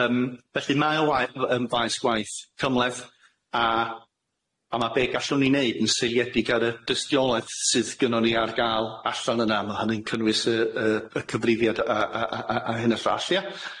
Yym felly mae o wa- yym faes gwaith cymhleth a a ma' be' gallwn ni neud yn seiliedig ar y dystiolaeth sydd gynnon ni ar ga'l allan yna ma' hynny'n cynnwys y yy y cyfrifiad a a a a hyn y llall ia?